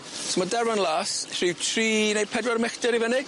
So ma' Derwen Las rhyw tri neu pedwar michlltir i fyny.